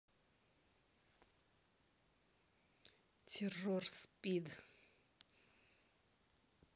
террор спид